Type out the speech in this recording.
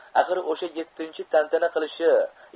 axir o'sha yettinchi tantana qilishi